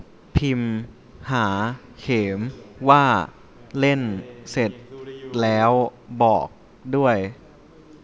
พิมหาเขมว่าเล่นเสร็จแล้วบอกด้วย